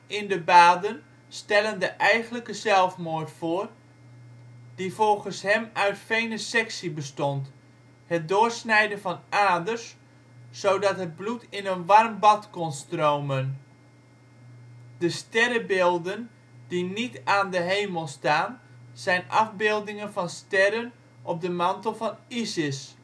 in de baden stellen de eigenlijke zelfmoord voor, die volgens hem ook uit venesectie bestond: het doorsnijden van aders zodat het bloed in een warm bad kon stromen. De sterrenbeelden die niet aan de hemel staan, zijn afbeeldingen van sterren op de mantel van Isis